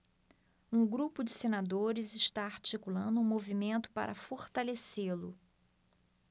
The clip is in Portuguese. um grupo de senadores está articulando um movimento para fortalecê-lo